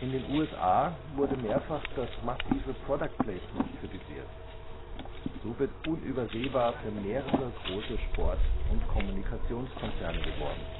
den USA wurde mehrfach das massive Product Placement kritisiert. So wird unübersehbar für mehrere große Sport - und Kommunikationskonzerne geworben